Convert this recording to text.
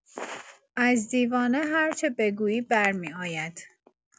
از دیوانه هر چه بگویی برمی‌آید!